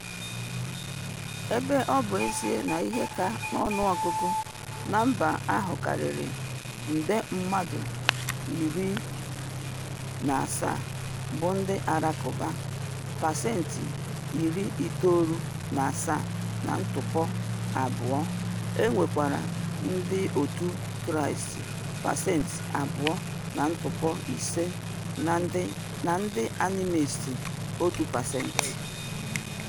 Ebe ọ bụ ezie na ihe ka n'ọnụọgụgụ ná mba ahụ karịrị nde mmadụ 17 bụ ndị Alakụba (pasenti 97.2), e nwekwara Ndịòtù Kristi (pasenti 2.7) na ndị animists (1 pasenti).